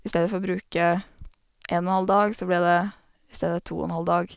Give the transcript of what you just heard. I stedet for å bruke en og halv dag så ble det i stedet to og en halv dag.